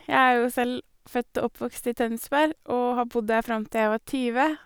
Jeg er jo selv født og oppvokst i Tønsberg og har bodd der fram til jeg var tyve.